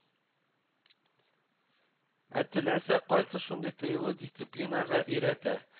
Ә теләсә кайсы шундый тыелу дисциплинага өйрәтә